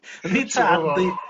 Yndi tad yndi.